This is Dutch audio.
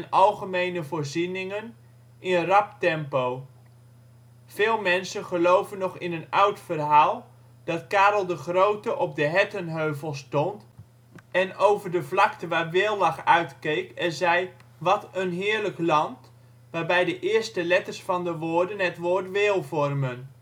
algemene voorzieningen in rap tempo. Vele mensen geloven nog in een oud verhaal; dat Karel de Grote op de Hettenheuvel stond, en over de vlakte waar Wehl lag uitkeek en zei: Wat Een Heerlijk Land, waarbij de eerste letters van de woorden het woord Wehl vormen